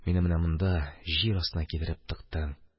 Мине менә монда, җир астына китереп тыктың.